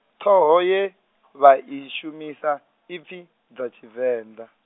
ṱhoho ye, vha i shumisa, i pfi, dza Tshivenḓa.